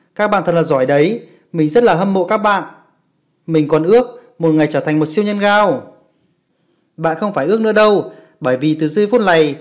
các bạn rất là giỏi mình rất là hâm mộ các bạn mình còn ước một ngày trở thành siêu nhân gao bạn không phải ước nữa đâu bởi vì từ giây phút này